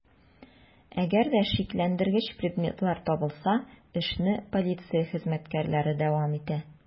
Әгәр дә шикләндергеч предметлар табылса, эшне полиция хезмәткәрләре дәвам итә.